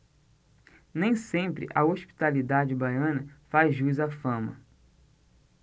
nem sempre a hospitalidade baiana faz jus à fama